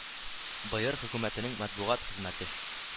БР Хөкүмәтенең матбугат хезмәте